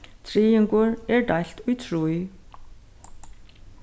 triðingur er deilt í trý